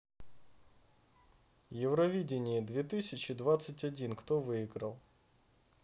евровидение две тысячи двадцать один кто выиграл